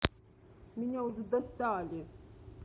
меня уже достали